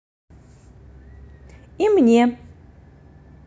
и мне